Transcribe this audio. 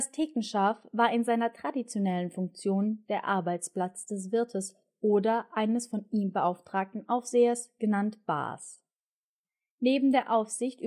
Thekenschaaf war in seiner traditionellen Funktion der Arbeitsplatz des Wirtes oder eines von ihm beauftragten Aufsehers, genannt „ Baas “. Neben der Aufsicht